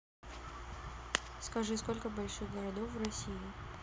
скажи сколько больших городов в россии